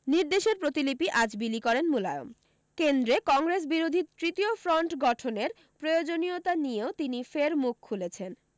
নির্দেশের প্রতিলিপি আজ বিলি করেন মুলায়ম কেন্দ্রে কংগ্রেস বিরোধী তৃতীয় ফরণ্ট গঠনের প্রয়োজনীয়তা নিয়েও তিনি ফের মুখ খুলেছেন